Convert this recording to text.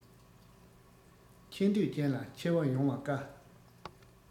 ཆེ འདོད ཅན ལ ཆེ བ ཡོང བ དཀའ